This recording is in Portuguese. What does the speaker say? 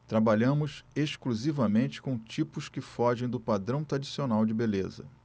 trabalhamos exclusivamente com tipos que fogem do padrão tradicional de beleza